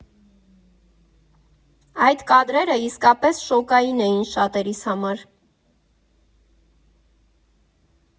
Այդ կադրերը իսկապես շոկային էին շատերիս համար։